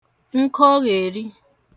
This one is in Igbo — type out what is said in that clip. nkọghèri